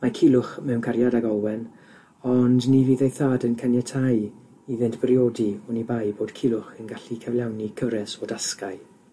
Mae Culwch mewn cariad ag Olwen ond ni fydd ei thad yn caniatáu iddynt briodi onibai bod Culwch yn gallu cyflawni cyfres o dasgau.